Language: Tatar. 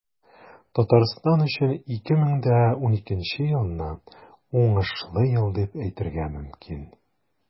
Татарстан өчен 2012 елны уңышлы ел дип әйтергә мөмкин.